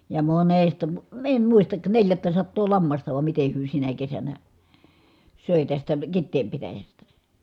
ja monesta - en muista neljättäsataa lammasta vai miten he sinä kesänä söi tästä Kiteen pitäjästä